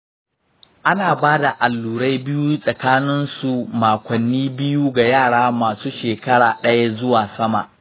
ana ba da allurai biyu tsakanin su makonni biyu ga yara masu shekara ɗaya zuwa sama.